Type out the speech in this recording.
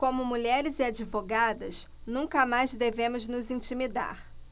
como mulheres e advogadas nunca mais devemos nos intimidar